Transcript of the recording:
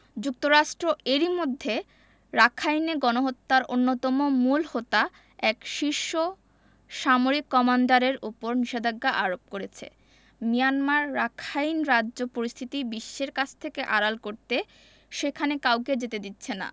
যুক্তরাষ্ট্র এরই মধ্যে রাখাইনে গণহত্যার অন্যতম মূল হোতা এক শীর্ষ সামরিক কমান্ডারের ওপর নিষেধাজ্ঞা আরোপ করেছে মিয়ানমার রাখাইন রাজ্য পরিস্থিতি বিশ্বের কাছ থেকে আড়াল করতে সেখানে কাউকে যেতে দিচ্ছে না